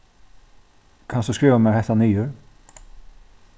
kanst tú skriva mær hetta niður